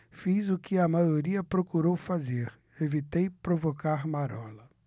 fiz o que a maioria procurou fazer evitei provocar marola